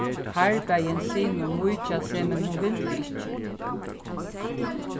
karl bað jensinu mýkja seg men hon vildi ikki